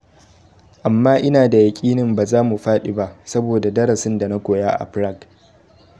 Amma inada yakinin bazamu fadi ba, saboda darasin da na koya a Prague.